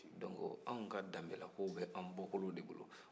ola anw ka danbelakow bɛ an bɔkɔlow de bolo